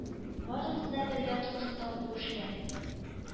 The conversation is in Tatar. Барыбыз да бергә тотындык бу эшкә